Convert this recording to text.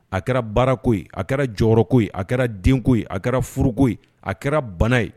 A kɛra baarako ye a kɛra jɔyɔrɔko ye a kɛra denko ye a kɛra furuko ye a kɛra bana ye